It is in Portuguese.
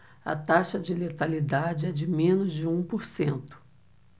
a taxa de letalidade é de menos de um por cento